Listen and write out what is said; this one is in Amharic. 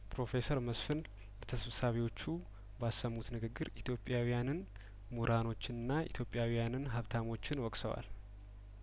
ፕሮፌሰር መስፍን ለተ ሰብሳቢዎቹ ባሰሙ ትንግግር ኢትዮጵያዊያንን ምሁሮችንና ኢትዮጵያዊያንን ሀብታሞችን ወቅሰዋል